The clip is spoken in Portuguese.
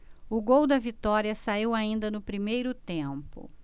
o gol da vitória saiu ainda no primeiro tempo